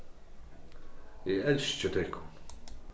eg elski tykkum